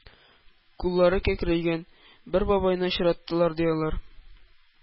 Куллары кәкрәйгән бер бабайны очраттылар, ди, алар.